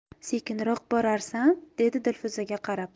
sekinroq borarsan dedi dilfuzaga qarab